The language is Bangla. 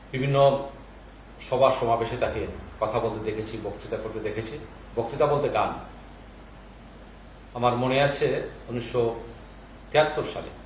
বিভিন্ন সভা-সমাবেশে তাকে কথা বলতে দেখেছি বক্তৃতা দেখতে দেখেছি বক্তৃতা বলতে গান আমার মনে আছে ১৯৭৩ সালে